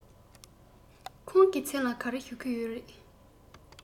ཁོང གི མཚན ལ ག རེ ཞུ གི ཡོད རེད